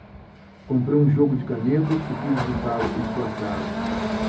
comprei um jogo de canetas e fui visitá-lo em sua casa